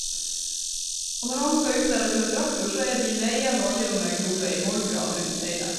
Og når han skal ut der og kjøre traktor, så er de i veien og har til og med grove ei vollgrav rundt heile.